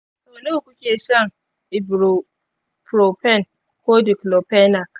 sau nawa kuke shan ibuprofen ko diclofenac?